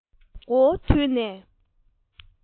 འདྲ བར མགོ བོ དུད ནས